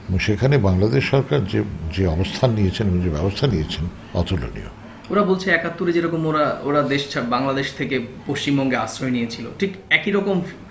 সেখানে বাংলাদেশ সরকার যে অবস্থান নিয়েছেন যে ব্যবস্থা নিয়েছেন অতুলনীয় ওরা বলছেন একাত্তরে যেরকম ওরা বাংলাদেশ থেকে পশ্চিমবঙ্গে আশ্রয় নিয়েছিল ঠিক একই রকম